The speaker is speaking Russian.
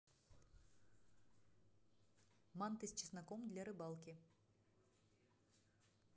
манты с чесноком для рыбалки